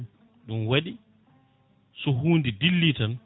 ɗum waɗi so hunde dilli tan